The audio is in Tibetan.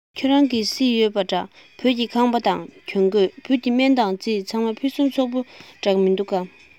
ཁྱེད རང གིས གཟིགས ཡོད འགྲོ བོད ཀྱི ཁང པ དང གྱོན ཆས བོད ཀྱི སྨན དང རྩིས ཚང མ ཕུན སུམ ཚོགས པོ འདྲས མི འདུག གས